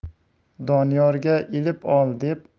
doniyorga ilib ol deb